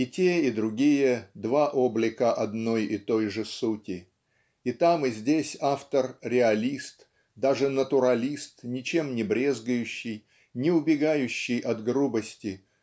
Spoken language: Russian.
И те, и другие - два облика одной и той же сути. И там, и здесь автор реалист даже натуралист ничем не брезгающий не убегающий от грубости